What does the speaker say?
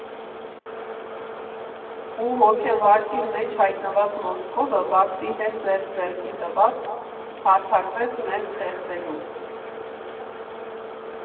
Ու հոգեվարքի մեջ հայտնված Մոսկովը, Բաքվի հետ ձեռք֊ձեռքի տված, հարձակվեց մեզ խեղդելու։